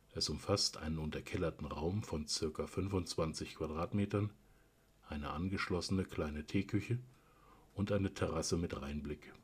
Es umfasst einen unterkellerten Raum von circa 25 Quadratmetern, eine angeschlossene kleine Teeküche und eine Terrasse mit Rheinblick